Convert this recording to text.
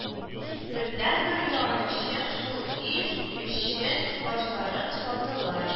Бердәнбер юанычым шул ил өчен башларын салдылар